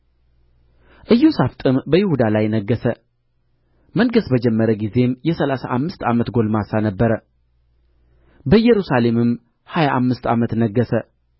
ኢዮሣፍጥ በይሁዳ ላይ ነገሠ መንገሥ በጀመረ ጊዜም የሠላሳ አምስት ዓመት ጕልማሳ ነበረ በኢየሩሳሌምም ሀያ አምስት ዓመት ነገሠ